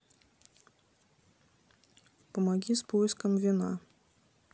помоги с поиском вина